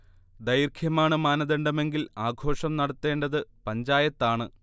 ദൈർഘ്യമാണ് മാനദണ്ഡമെങ്കിൽ ആഘോഷം നടത്തേണ്ടത് പഞ്ചായത്താണ്